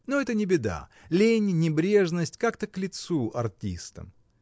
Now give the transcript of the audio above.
Но это не беда: лень, небрежность как-то к лицу артистам.